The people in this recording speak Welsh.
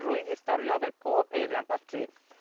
rhwydd i storio, fel pob peiriant batri,